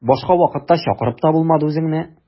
Башка вакытта чакырып та булмады үзеңне.